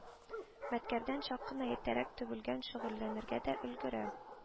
Мәткәрдән чак кына иртәрәк тобелән шөгыльләнергә дә өлгерә